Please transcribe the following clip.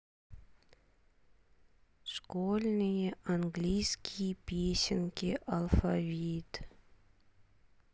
школьные английские песенки алфавит